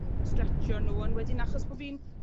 stretsio nw on' wedyn achos bo' fi'n